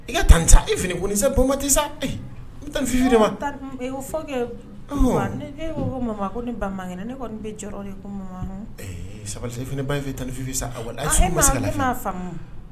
I ka tan sa e fini kosati sa n ma ko mama ko ni bakɛ ne kɔni bɛ sabali ba fɛ tan ni fi sa